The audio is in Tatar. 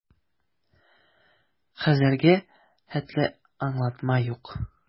Хәзергә хәтле аңлатма юк.